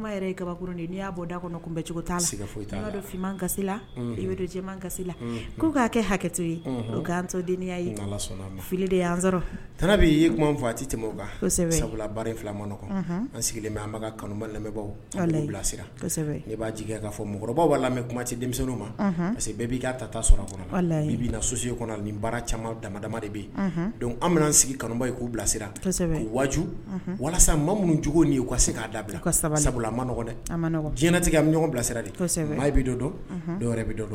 Yɛrɛ kaba n' y'a bɔ d kɔnɔ bɛ cogo foyi kasi la i bɛ kasi la k''a kɛ hakɛto yeandenya tan'i kuma faati tɛmɛ kan filama an sigilen an kanu lamɛnbagawsira b'a jigin k'a fɔ mɔgɔkɔrɔba b'a lamɛnmɛ kuma tɛ denmisɛn ma parce que bɛɛ b'i ka ta taa sɔrɔ a kɔnɔ' na soso kɔnɔ ni baara caman dama dama de bɛ yen dɔnku an bɛ sigi kanuba ye k'u bilasira waju walasa ma minnu nin' u ka se' da a ka sabulala ma nɔgɔɔgɔn dɛ diɲɛtigɛ ka ɲɔgɔn bilasirasɛbɛ bɛ don dɔn dɔw bɛ don dɔn